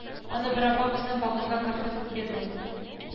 Аны бер апа безнең вагонга кертеп үк бирде